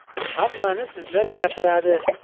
hammani sizlab gapiradi